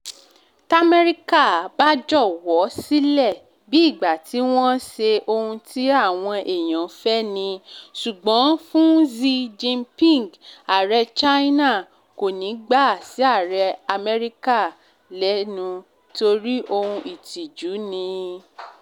T’Ámẹ́ríkà bá jọwọ́ sílẹ̀ bíi ìgbà tí wọ́n ń ṣe ohun tí àwọn èèyàn fẹ́ ni. Ṣùgbọ́n fún Xi Jinping, Ààrẹ China, kò ní gbà sí Amẹ́ríkà lẹ́nu torí ohun ìtìjú ni.